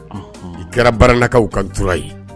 I kɛra baralakaw kantura ye